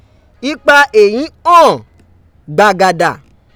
Ipa èyí hàn gbàgàdà.